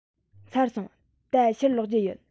ཚར སོང ད ཕྱིར ལོག རྒྱུ ཡིན